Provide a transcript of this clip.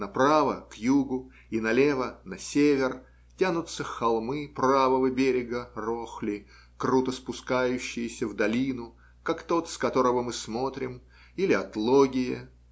Направо к югу и налево на север тянутся холмы правого берега Рохли, круто спускающиеся в долину, как тот, с которого мы смотрим, или отлогие